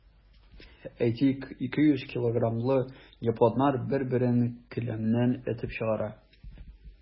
Әйтик, 200 килограммлы японнар бер-берен келәмнән этеп чыгара.